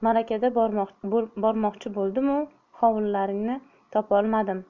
marakada bormoqchi bo'ldimu hovlinglarni topolmadim